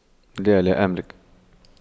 لا لا أملك